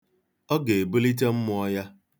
Ọ ga-ebulite mmụọ ya.